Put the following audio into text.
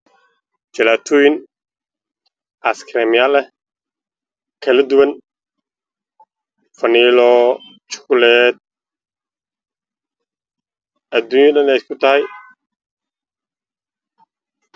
Jaalaatooyin ice cream ah oo kala duwan